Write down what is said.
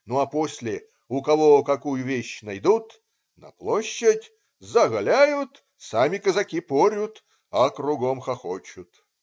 Ну, а после, у кого какую вещь найдут - на площадь, заголяют, сами казаки порют, а кругом хохочут".